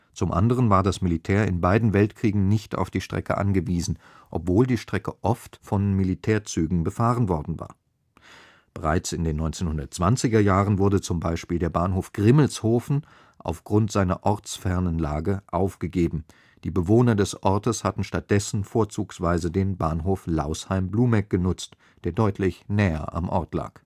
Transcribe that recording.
Zum anderen war das Militär in beiden Weltkriegen nicht auf die Strecke angewiesen, obwohl die Strecke oft von Militärzügen befahren worden war. Bereits in den 1920er Jahren wurde zum Beispiel der Bahnhof Grimmelshofen aufgrund seiner ortsfernen Lage aufgegeben; die Bewohner des Ortes hatten statt dessen vorzugsweise den Bahnhof Lausheim-Blumegg genutzt, der deutlich näher am Ort lag